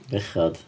Bechod.